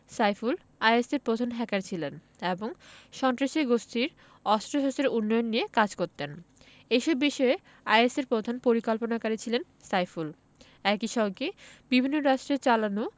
সাইফুল আইএসের প্রধান হ্যাকার ছিলেন এবং সন্ত্রাসী গোষ্ঠীটির অস্ত্রশস্ত্রের উন্নয়ন নিয়ে কাজ করতেন এসব বিষয়ে আইএসের প্রধান পরিকল্পনাকারী ছিলেন সাইফুল একই সঙ্গে বিভিন্ন রাষ্ট্রের চালানো